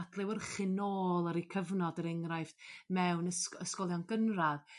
adlewyrchu nôl ar 'u cyfnod er enghraifft mewn ysg- ysgolion gynradd